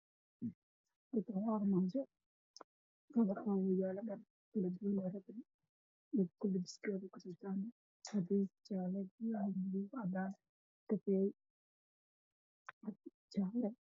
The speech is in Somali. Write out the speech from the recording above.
Waa carwo waxaa iiga muuqdo macawiisyada ay nimanka tashaan oo meel ku safan